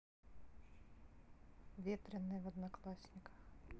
ветреный в одноклассниках